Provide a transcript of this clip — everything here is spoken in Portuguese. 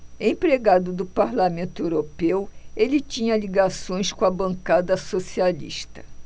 empregado do parlamento europeu ele tinha ligações com a bancada socialista